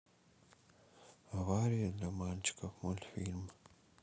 аварии для мальчиков мультфильм